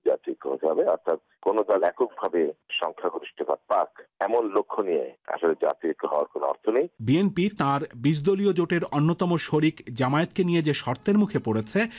জাতীয় ঐক্য হতে হবে অর্থাৎ কোন দল এককভাবে সংখ্যাগরিষ্ঠতা পাক এমন লক্ষ্য নিয়ে আসলে জাতীয় ঐক্য হওয়ার কোনো অর্থ নেই বিএনপি তার ২০ দলীয় জোটের অন্যতম শরিক জামায়াতকে নিয়ে যে শর্তের মুখে পড়েছে